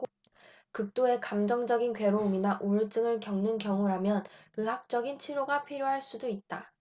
극도의 감정적인 괴로움이나 우울증을 겪는 경우라면 의학적인 치료가 필요할 수도 있다